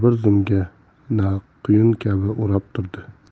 bir zumgina quyun kabi o'rab turdi